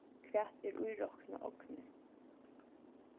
hvat er íroknað ognir